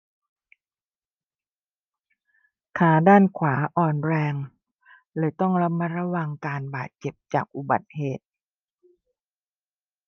ขาด้านขวาอ่อนแรงเลยต้องระมัดระวังการบาดเจ็บจากอุบัติเหตุ